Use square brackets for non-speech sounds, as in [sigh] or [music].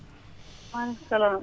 malekum salam [noise]